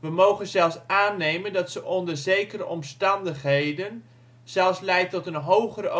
mogen zelfs aannemen dat ze onder zekere omstandigheden zelfs leidt tot een hogere